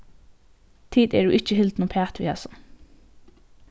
tit eru ikki hildin uppat við hasum